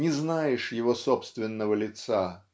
не знаешь его собственного лица.